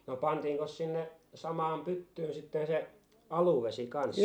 no pantiinkos sinne samaan pyttyyn sitten se aluvesi kanssa